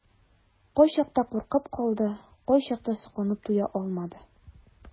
Кайчакта куркып калды, кайчакта сокланып туя алмады.